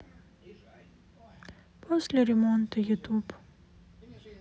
после ремонта ютуб